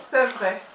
c' est vrai